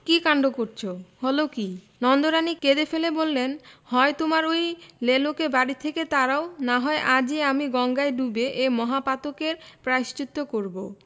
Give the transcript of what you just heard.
কি কাণ্ড করচ হলো কি নন্দরানী কেঁদে ফেলে বললেন হয় তোমার ঐ লেলোকে বাড়ি থেকে তাড়াও না হয় আজই আমি গঙ্গায় ডুবে এ মহাপাতকের প্রায়শ্চিত্ত করব